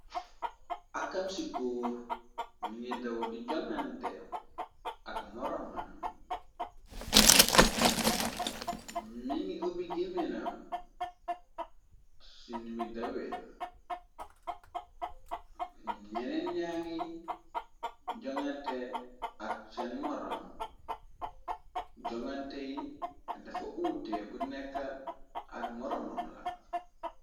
Akam ci góor mi ngir daw di jonante akmor mi ngi ubi giminam ci nu mi dawee ñeneen ñaa ngi jongante ak seen moram jongante yi dafa uute bu nekk ak moromam la.